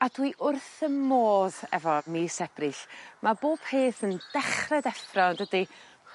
A dw i wrth 'ym modd efo mis Ebrill ma' bob peth yn dechre deffro dydi?